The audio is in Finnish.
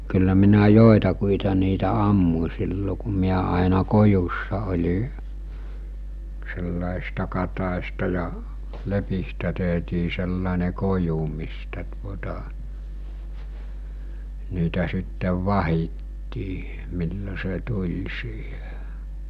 kyllä minä joitakin niitä ammuin silloin kun minä aina kojussa olin sellaisista katajista ja lepistä tehtiin sellainen koju mistä tuota niitä sitten vahdittiin milloin se tuli siihen